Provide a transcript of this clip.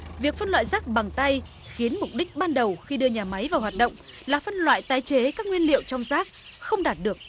việc phân loại rác bằng tay khiến mục đích ban đầu khi đưa nhà máy vào hoạt động là phân loại tái chế các nguyên liệu trong rác không đạt được